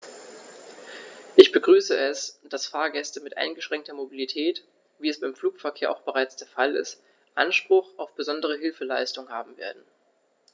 Ich begrüße es, dass Fahrgäste mit eingeschränkter Mobilität, wie es beim Flugverkehr auch bereits der Fall ist, Anspruch auf besondere Hilfeleistung haben werden.